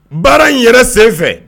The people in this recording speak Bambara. N baara in n yɛrɛ senfɛ